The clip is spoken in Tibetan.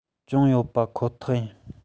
ཅུང ཡོད པ ཁོ ཐག རེད